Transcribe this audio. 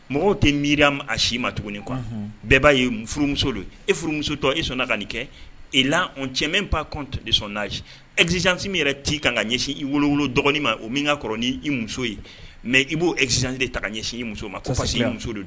Mɔgɔw tɛ mi a si ma tuguni kɔ bɛɛ b'a ye furumuso don e furumuso tɔ e sɔnna ka kɛ e la cɛ ba de sɔn' ezsin yɛrɛ cii kan ka ɲɛsin i wolo wolo dɔgɔn ma o min ka kɔrɔ' i muso ye mɛ i b'o ezti de ta ka ɲɛsin i muso masi muso de